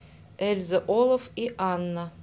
эльза олаф и анна